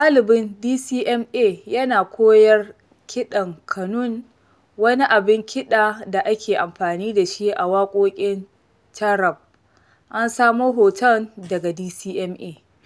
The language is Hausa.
ɗalibin DCMA yana koyar kiɗan ƙanun, wani abin kiɗa da ake amfani da shi a waƙoƙin taarab. An samo hoton daga DCMA.